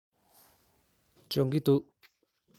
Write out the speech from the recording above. སྦྱོང གི འདུག